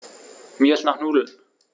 Mir ist nach Nudeln.